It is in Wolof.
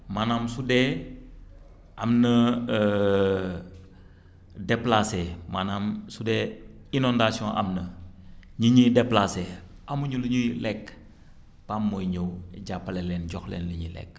maanaam su dee am na déplacé maanaam su dee inondaation m na nit ñiy déplacé namuñu lu ñuy lekk PAM mooy ñëw jàppale leen jox leen li ñuy lekk